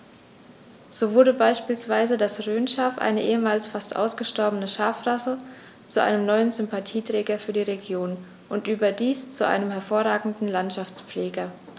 So wurde beispielsweise das Rhönschaf, eine ehemals fast ausgestorbene Schafrasse, zu einem neuen Sympathieträger für die Region – und überdies zu einem hervorragenden Landschaftspfleger.